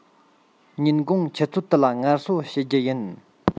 ཉིན གུང ཆུ ཚོད དུ ལ ངལ གསོ བྱེད རྒྱུ ཡིན